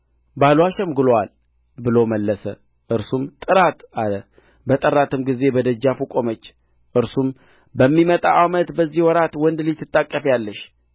ለንጉሥ ወይስ ለሠራዊት አለቃ ልንገርልሽን በላት አለው እርስዋም እኔ በወገኔ መካከል ተቀምጫለሁ ብላ መለሰች እርሱም እንግዲህ ምን እናድርግላት አለ ግያዝም ልጅ የላትም